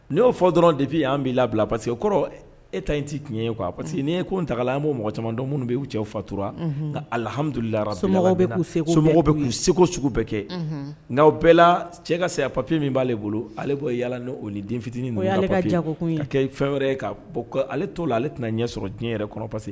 N'o fɔ dɔrɔn depi y' b'i labila pari que kɔrɔ e ta in t cii tiɲɛ ye ko pa parce que'i ye ko n taga la an b'o mɔgɔ caman minnu bɛ bɛ cɛw fatura kahamimududulara so bɛ k'u segu sugu bɛɛ kɛ n'aw bɛɛ la cɛ ka saya papiye min b'ale bolo ale' yalala ni o den fitinin ka ja fɛn wɛrɛ ye ka ale t' la ale tɛna ɲɛ sɔrɔ diɲɛ yɛrɛ kɔnɔ parce que